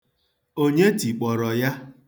Onye tikpọrọ ya?